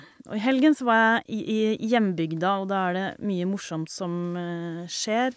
Og i helgen så var jeg i i hjembygda, og da er det mye morsomt som skjer.